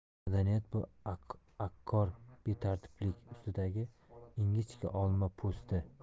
madaniyat bu akkor betartiblik ustidagi ingichka olma po'sti